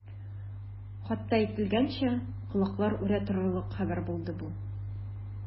Хатта әйтелгәнчә, колаклар үрә торырлык хәбәр булды бу.